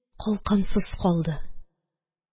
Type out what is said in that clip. Калкансыз калды